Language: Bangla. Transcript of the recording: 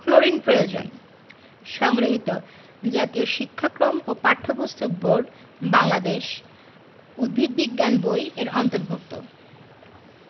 ক্লোরিন প্রয়োজন সংগৃহীত জাতীয় শিক্ষাক্রম ও পাঠ্যপুস্তক বোর্ড বাংলাদেশ উদ্ভিদ বিজ্ঞান বই এর অন্তর্ভুক্ত